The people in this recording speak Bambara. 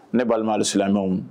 Ne balima silamɛmɛw